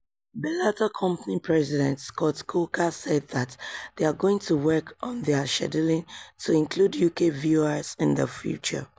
Bellator company president Scott Coker said that they are going to work on their scheduling to include UK viewers in the future.